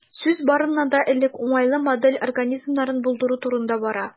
Сүз, барыннан да элек, уңайлы модель организмнарын булдыру турында бара.